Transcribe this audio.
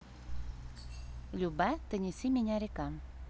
любэ ты неси меня река